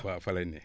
waaw fa lay ne